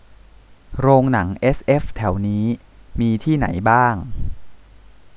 โรงหนังเอสเอฟแถวนี้มีที่ไหนบ้าง